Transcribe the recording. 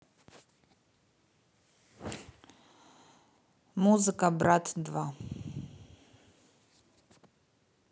музыка брат два